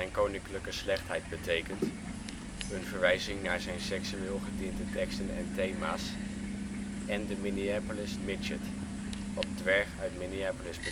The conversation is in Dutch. Koninklijke Slechtheid); een verwijzing naar zijn seksueel getinte teksten en thema 's, en de Minneapolis Midget (dwerg uit Minneapolis